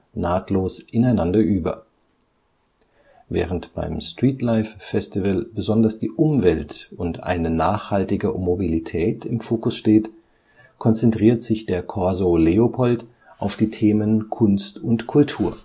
nahtlos ineinander über. Während beim Streetlife Festival besonders die Umwelt und eine nachhaltige Mobilität im Fokus steht, konzentriert sich der Corso Leopold auf die Themen Kunst und Kultur